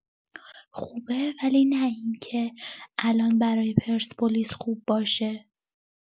خوبه ولی نه اینکه الان برای پرسپولیس خوب باشه.